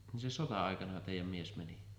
niin se sota-aikana teidän mies meni